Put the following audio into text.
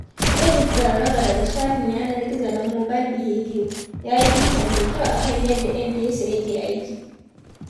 David Zarraga daga shafin yanar gizo na 'Mobile Behavior' ya yi bita mai kyau a kan yadda M-Pesa yake aiki.